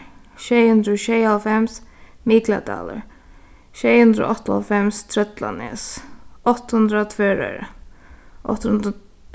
sjey hundrað og sjeyoghálvfems mikladalur sjey hundrað og áttaoghálvfems trøllanes átta hundrað tvøroyri